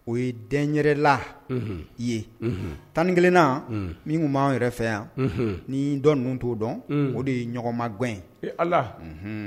O ye den yɛrɛla ye, unhun, 11 min tun b'an yɛrɛ fɛ yan, unhun, ni dɔ ninnu t'o dɔn o de ye ɲɔgɔnma gɛn ee allah , unhun.